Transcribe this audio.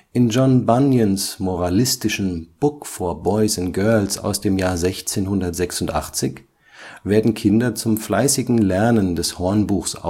In John Bunyans moralistischem Book for Boys and Girls (1686) werden Kinder zum fleißigen Lernen des Hornbuchs